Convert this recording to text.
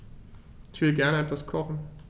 Ich will gerne etwas kochen.